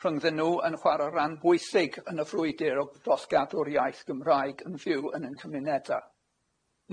rhyngddyn nhw yn chwara ran bwysig yn y frwydr o dros gadw'r iaith Gymraeg yn fyw yn ein cymuneda.